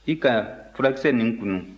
i ka furakisɛ nin kunu